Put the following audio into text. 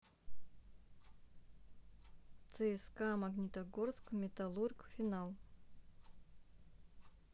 цска магнитогорский металлург финал